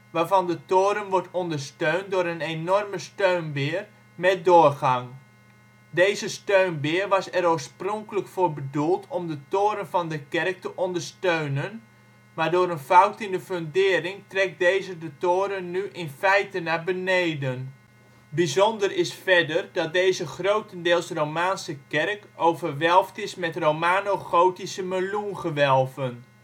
waarvan de toren wordt ondersteund door een enorme steunbeer met doorgang. Deze steunbeer was er oorspronkelijk voor bedoeld om de toren van de kerk te ondersteunen, maar door een fout in de fundering trekt deze de toren nu in feite naar beneden. Bijzonder is verder dat deze grotendeels romaanse kerk overwelfd is met Romanogotische meloengewelven